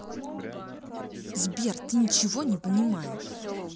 сбер ты ничего не понимаешь